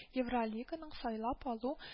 Евролиганың сайлап алу